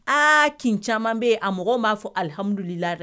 Aa kin caman be ye a mɔgɔw m'a fɔ alihamudulila d